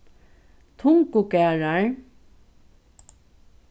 tungugarðar